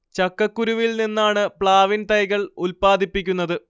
ചക്കക്കുരുവിൽ നിന്നാണ് പ്ലാവിൻ തൈകൾ ഉത്പാദിപ്പിക്കുന്നത്